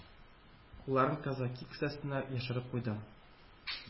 Кулларын казаки кесәсенә яшереп куйды.